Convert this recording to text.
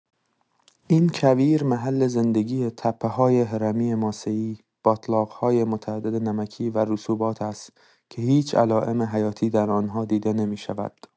این کویر محل زندگی تپه‌های هرمی ماسه‌ای، باتلاق‌های متعدد نمکی و رسوبات است که هیچ علائم حیاتی در آنها دیده نمی‌شود.